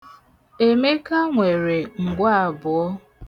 Emeka nwere ngwe abụọ.